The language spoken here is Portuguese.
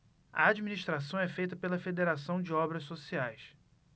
a administração é feita pela fos federação de obras sociais